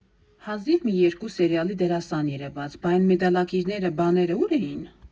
Հազիվ մի երկու սերիալի դերասան երևաց, բա էն մեդալակիրները, բաները, ու՞ր էին։